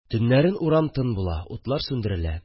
Төннәрен урам тын була, утлар сүндерелә